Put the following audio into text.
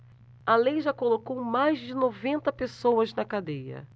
a lei já colocou mais de noventa pessoas na cadeia